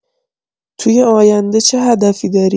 توی آینده چه هدفی داری؟